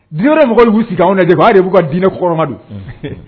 Diinɛ wɛrɛ mɔgɔw de b'u sigi k'anw lajɛ quoi an yɛrɛ de b'u ka diinɛ kɔkɔrɔmadon,